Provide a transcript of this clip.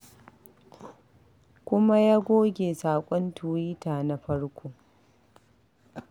Kuma ya goge saƙon tuwita na farko.